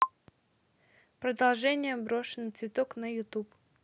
продолжение брошенный цветок на ютуб